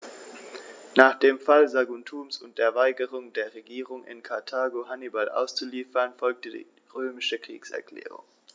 Nach dem Fall Saguntums und der Weigerung der Regierung in Karthago, Hannibal auszuliefern, folgte die römische Kriegserklärung.